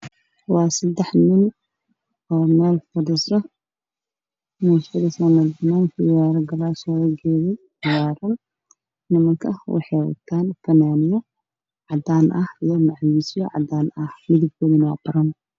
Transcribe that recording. Halkaan waxaa ka muuqdo sadex nin oo qamiisyo cadaan ah qabo mid kamid ah sigaar ayuu qabaayaa